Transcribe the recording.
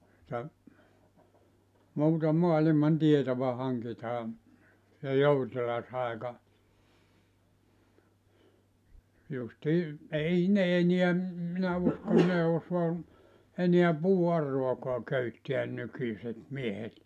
tuota muuta maailman tietoa hankitaan ja joutilas aika justiin ei ne enää en minä usko ei ne osaa enää puuauraakaan köyttää nykyiset miehet